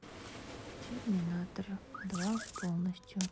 терминатор два полностью